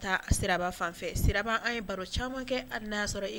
Fan an ye baro caman sɔrɔ